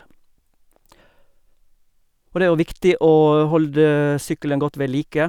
Og det er jo viktig å holde sykkelen godt ved like.